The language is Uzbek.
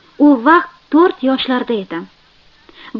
u vaqt to'rt yoshlarda edim